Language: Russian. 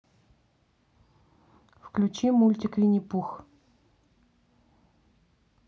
включи мультик винни пух